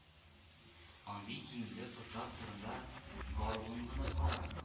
Андый киемле кызлар турында Баруын гына кара